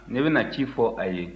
ne bɛna ci fɔ a ye